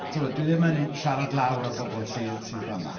Timod, dwi ddim yn siarad lawr am bobl sy sy fan'na.